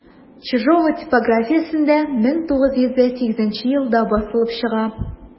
Чижова типографиясендә 1908 елда басылып чыга.